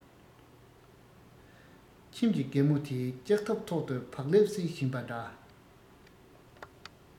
ཁྱིམ གྱི རྒན མོ དེས ལྕགས ཐབ ཐོག ཏུ བག ལེབ སྲེག བཞིན པ འདྲ